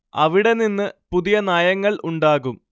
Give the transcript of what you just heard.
അവിടെ നിന്ന് പുതിയ നയങ്ങൾ ഉണ്ടാകും